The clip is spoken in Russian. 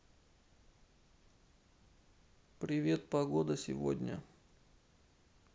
привет погода сегодня